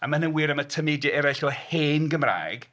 ..a mae hynny'n wir am y tameidiau eraill o hen Gymraeg.